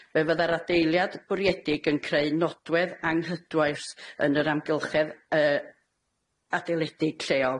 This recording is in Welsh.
Fe fydde'r adeiliad bwriedig yn creu nodwedd anghydwais yn yr amgylchedd yy adeiledig lleol.